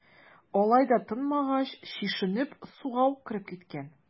Алай да тынмагач, чишенеп, суга ук кереп киткән.